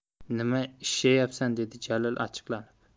nimaga ishshayyapsan dedi jalil achchiqlanib